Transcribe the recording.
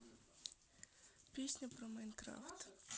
песня про майнкрафт